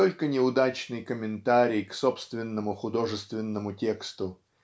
только неудачный комментарий к собственному художественному тексту